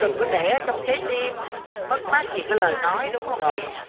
đừng có để ở trong trái tim mất mát gì cái lời nói đúng không nè